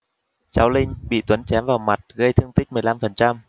cháu linh bị tuấn chém vào mặt gây thương tích mười lăm phần trăm